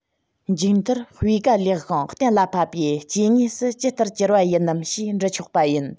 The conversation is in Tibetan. མཇུག མཐར སྤུས ཀ ལེགས ཤིང གཏན ལ ཕབ པའི སྐྱེ དངོས སུ ཇི ལྟར གྱུར པ ཡིན ནམ ཞེས འདྲི ཆོག པ ཡིན